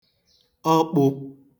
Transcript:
ọkpụ̄